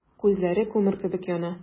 Күзләре күмер кебек яна.